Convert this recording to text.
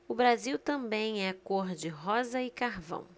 o brasil também é cor de rosa e carvão